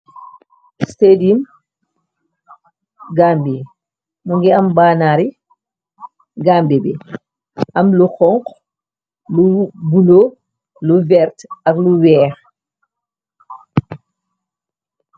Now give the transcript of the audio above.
Stadium gaambi mu ngi am bannari gambi bi. Am lu xonxo, lu bulo, lu verte, ak lu weex.